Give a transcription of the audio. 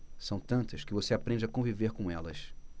são tantas que você aprende a conviver com elas